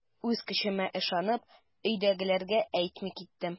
Үз көчемә ышанып, өйдәгеләргә әйтми киттем.